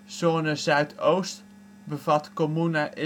Zone zuidoost: Comuna